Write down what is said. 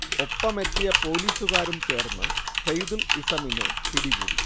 ഒപ്പമെത്തിയ പൊലീസുകാരും ചേർന്ന് സെയ്തുൽ ഇസമിനെ പിടികൂടി